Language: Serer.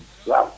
waaw